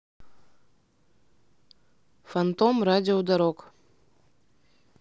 фантом radio дорог